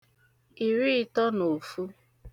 ìriị̀tọ na òfu